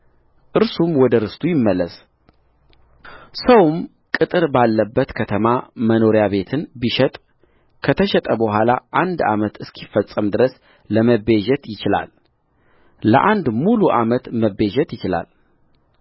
እርሱም ወደ ርስቱ ይመለስሰውም ቅጥር ባለበት ከተማ መኖሪያ ቤትን ቢሸጥ ከተሸጠ በኋላ አንድ ዓመት እስኪፈጸም ድረስ ለመቤዠት ይችላል ለአንድ ሙሉ ዓመት መቤዠት ይችላል